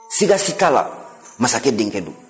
siga si tɛ a la masakɛ denkɛ don